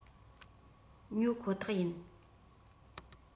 ཉོ ཁོ ཐག ཡིན